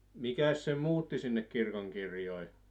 mikäs sen muutti sinne kirkonkirjoihin